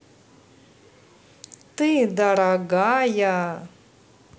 ты дорогая